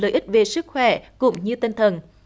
lợi ích về sức khỏe cũng như tinh thần